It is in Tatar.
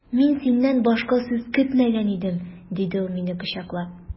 Мин синнән башка сүз көтмәгән идем, диде ул мине кочаклап.